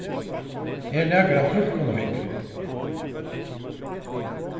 er nakar á trøllkonufingri